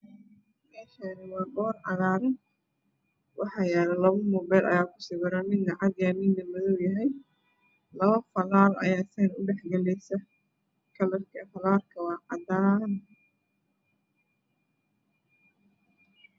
Meeshani waa boor cagaran waxaa yaalo labo ayaa ku sawiran mid cadaan yahy midna madaw yahy labo falaar ayaa dhex galaysaa kalarka falaarka waa cadaaan